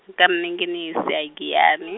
ka Minginisi a- Giyani.